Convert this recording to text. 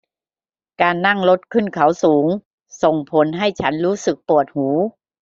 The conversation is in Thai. การนั่งรถขึ้นเขาสูงส่งผลให้ฉันรู้สึกปวดหู